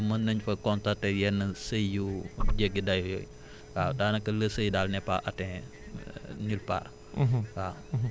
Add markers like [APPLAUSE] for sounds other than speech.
amul foo xam ne mën nañ fa constater yenn seuil yu [NOISE] jéggi dayoo yooyu [BREATH] waaw daanaka le seuil daal n' est pas atteint nul part